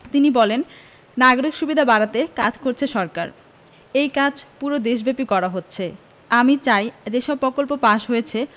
তিনি বলেন নাগরিক সুবিধা বাড়াতে কাজ করছে সরকার এই কাজ পুরো দেশব্যাপী করা হচ্ছে আমি চাই যেসব পকল্প পাস হয়েছে